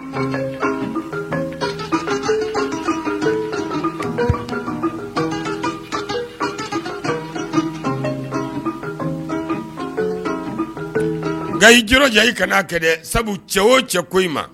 Nka jilaja, i ka n'a kɛ sabu cɛ o cɛ k'i ma